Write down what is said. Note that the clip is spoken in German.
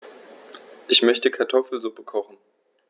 Ich möchte Kartoffelsuppe kochen.